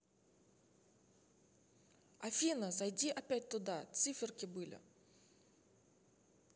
афина зайди опять туда циферки были